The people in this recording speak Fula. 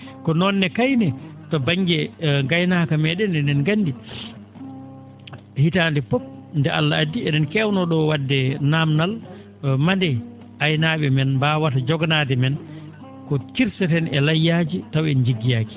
ko noon ne kayni to ba?nge e gaynaaka mee?en enen nganndi hitaande fof nde Allah addi e?en keewno ?oo wa?de naamndal mande aynaa?e men mbaawata joganaade men ko kirseten e layyaaji taw en jiggoyaaki